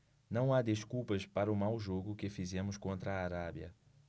não há desculpas para o mau jogo que fizemos contra a arábia